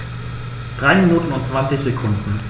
3 Minuten und 20 Sekunden